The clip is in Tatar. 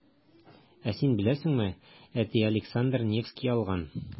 Ә син беләсеңме, әти Александр Невский алган.